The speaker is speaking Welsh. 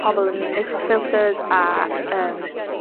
pobol yn iwso filters a, yym